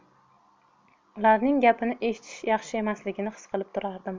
ularning gapini eshitish yaxshi emasligini his qilib turardim